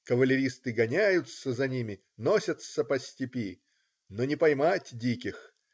Кавалеристы гоняются за ними, носятся по степи, но не поймать диких.